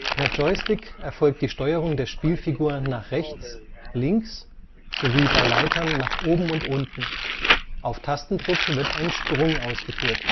Per Joystick erfolgt die Steuerung der Spielfigur nach rechts, links sowie bei Leitern nach oben und unten, auf Tastendruck wird ein Sprung ausgeführt